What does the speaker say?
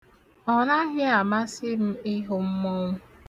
Ọ naghị amasị m ịhụ mmọnwụ.